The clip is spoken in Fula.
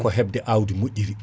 ko hebde awdi moƴƴiri